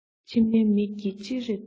འཆི བའི མིག གིས ཅེ རེར བལྟ བའི